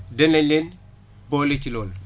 danañ leen boole ci loolu